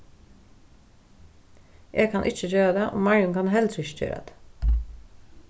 eg kann ikki gera tað og marjun kann heldur ikki gera tað